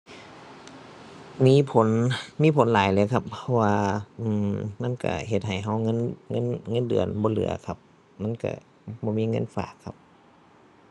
มีผล มีผลหลายเลยครับ เพราะว่า อืม มันก็เฮ็ดให้ก็เงิน เงิน เงินเดือนบ่เหลือครับ มันก็บ่มีเงินฝากครับ